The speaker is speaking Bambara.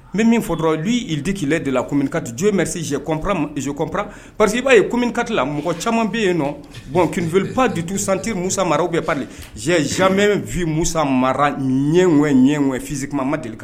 N min min fɔ dɔrɔn yu'di kilɛ de la kɔmi ka joomesieɔnpzoɔnpra pasi b'a ye kɔmi min kala mɔgɔ caman bɛ yen nɔn bɔn kinfip ditu sante musa maraw bɛ pa ze zimɛ musa mara ɲɛ ɲɛ fisi ma deli kan